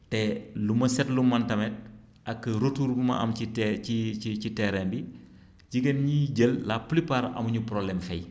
te lu ma seetlu man tamit ak retour bu ma am ci te ci ci ci terrain bi jigéen ñiy jël la plupart amuñu problème fay